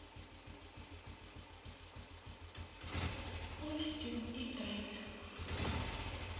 остин и элли